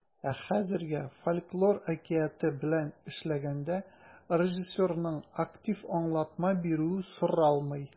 Ә хәзергә фольклор әкияте белән эшләгәндә режиссерның актив аңлатма бирүе соралмый.